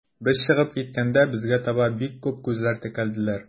Без чыгып киткәндә, безгә таба бик күп күзләр текәлделәр.